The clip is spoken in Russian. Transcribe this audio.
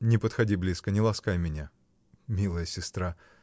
— Не подходи близко, не ласкай меня! Милая сестра!